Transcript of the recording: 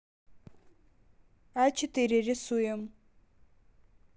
а четыре рисуем